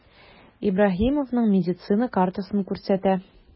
Ибраһимовның медицина картасын күрсәтә.